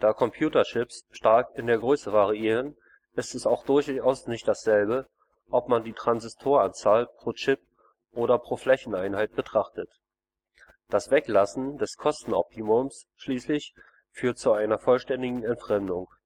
Computerchips stark in der Größe variieren, ist es auch durchaus nicht dasselbe, ob man die Transistoranzahl pro Chip oder pro Flächeneinheit betrachtet. Das Weglassen des Kostenoptimums schließlich führt zu einer vollständigen Entfremdung